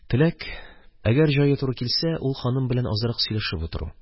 Теләк – әгәр җае туры килсә, ул ханым белән азрак сөйләшеп утыру